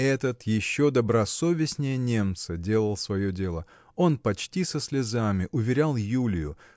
этот еще добросовестнее немца делал свое дело. Он почти со слезами уверял Юлию